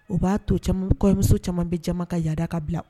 O b'a to caman kɔɲɔmuso caman bɛ jaman ka yaada ka bila